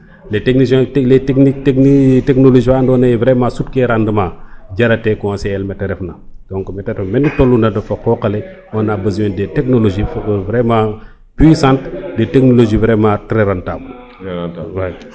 les technique technique technologie ka ando naye vraiment sut ke rendement jarate conseiller el mete ref na donc mete ref na me i toluna ana qoqale on a besion de technologie pour vraiment puissante technologie vraiment tres rentable